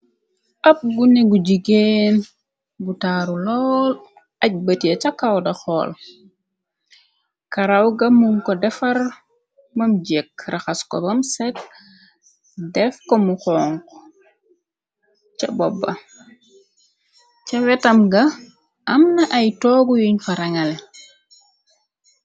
Ab gunegu jigeen bu taaru lool aj bëte ca kawda xool karawga mum ko defar mam jekk raxas ko bam set def ko mu xong ca bobba ca wetam ga amna ay toogu yuñ farangale.